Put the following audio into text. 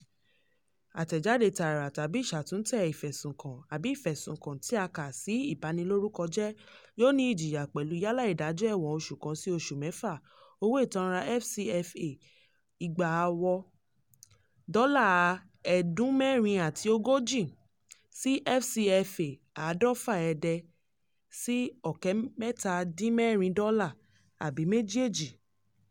Àtẹ̀jáde tààrà tàbí ìṣàtúntẹ̀ ìfẹ̀sùnkàn àbí ìfẹ̀sùnkàn tí a kà sí ìbanilórúkọjẹ́, yóò ní ìjìyà pẹ̀lú yálà ìdájọ́ ẹ̀wọ̀n oṣù kan (01) sí oṣù mẹ́fà (06), owó ìtanràn FCFA 500,000 (USD 830) sí FCFA 2,000,000 (USD 3,326), àbí méjéèjì.